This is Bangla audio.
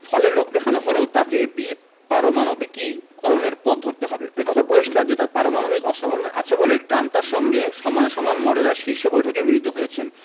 ফলে লোকদেখানো হলেও তাঁকে বিপারমাণবিকীকরণের পথ ধরতে হবে এ কথা পরিষ্কার যে তাঁর পারমাণবিক অস্ত্রভান্ডার আছে বলেই ট্রাম্প তাঁর সঙ্গে সমানে সমান মর্যাদায় শীর্ষ বৈঠকে মিলিত হয়েছেন